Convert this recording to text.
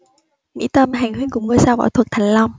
mỹ tâm hàn huyên cùng ngôi sao võ thuật thành long